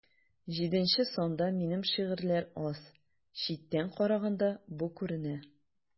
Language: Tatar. Җиденче санда минем шигырьләр аз, читтән караганда бу күренә.